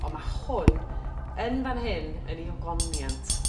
on' ma' hwn yn fan hyn yn 'i ogoniant.